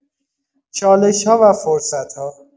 چالش‌ها و فرصت‌ها